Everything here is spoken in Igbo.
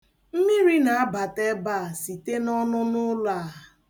Mmiri na-abata ebe a site n'ọnụnụụlọ a.